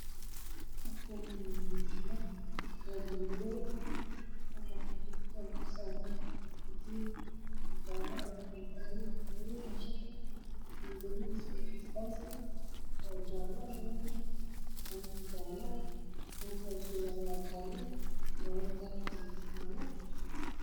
Waa boombalo madow ah waxaa suran katiin dahab ah